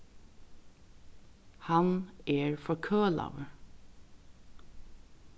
hann er forkølaður